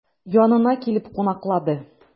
Янына килеп кунаклады.